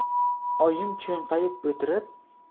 oyim cho'nqayib o'tirib